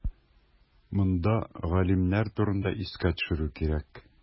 Монда галимнәр турында искә төшерү кирәк.